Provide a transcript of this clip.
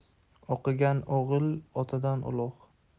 o'qigan o'g'il otadan ulug'